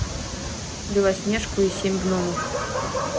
белоснежку и семь гномов